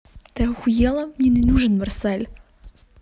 ты охуела мне не нужен марсель